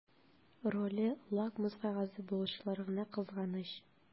Роле лакмус кәгазе булучылар гына кызганыч.